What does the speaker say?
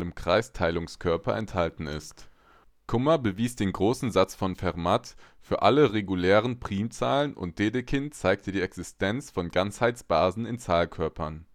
Kreisteilungskörper enthalten ist. Kummer bewies den großen Satz von Fermat für alle regulären Primzahlen, und Dedekind zeigte die Existenz von Ganzheitsbasen in Zahlkörpern